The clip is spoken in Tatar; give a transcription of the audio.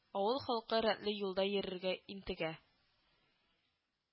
Авыл халкы рәтле юлда йөрергә интегә